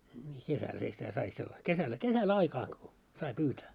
kesällähän sitä sai - kesällä kesällä aikaa kun sai pyytää